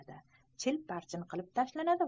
chil parchin qilib tashlanadi